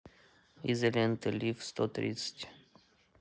изолента лиф сто тридцать